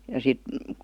ja sitten